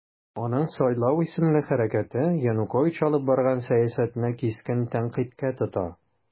Аның "Сайлау" исемле хәрәкәте Янукович алып барган сәясәтне кискен тәнкыйтькә тота.